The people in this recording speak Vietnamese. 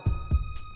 hông